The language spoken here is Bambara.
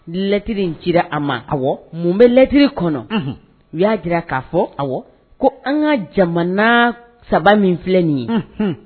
Lɛt ci a ma a mun bɛlɛt kɔnɔ u y'a jira k'a fɔ a ko an ka jamana saba min filɛ nin ye